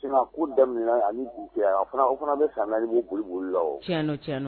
Fana o fana bɛ ka naaniolibugu la ti